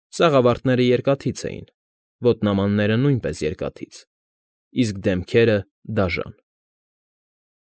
Սաղավարտները երկաթից էին, ոտնամանները՝ նույնպես երկաթից, իսկ դեմքերը՝ դաժան։